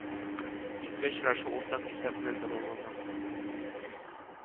Ике очрашу уртак исәп белән тәмамланган